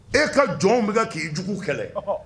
E ka jɔnw bɛ kan ki juguw kɛlɛ.